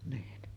niin